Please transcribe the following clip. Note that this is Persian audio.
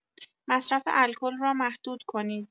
مصرف الکل را محدود کنید.